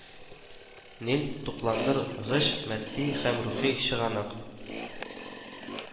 Нил тукландыр гыч матди һәм рухи чыганак